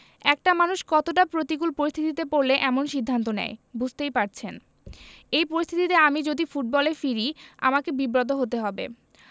একটা মানুষ কতটা প্রতিকূল পরিস্থিতিতে পড়লে এমন সিদ্ধান্ত নেয় বুঝতেই পারছেন এই পরিস্থিতিতে আমি যদি ফুটবলে ফিরি আমাকে বিব্রত হতে হবে